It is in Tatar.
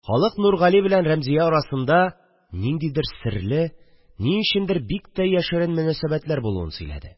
Халык Нургали белән Рәмзия арасында ниндидер серле, ни өчендер бик тә яшерен мөнәсәбәтләр булуын сөйләде